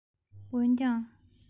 འོན ཀྱང